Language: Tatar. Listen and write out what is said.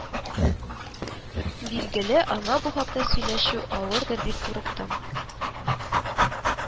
Билгеле, аңа бу хакта сөйләшү авырдыр дип курыктым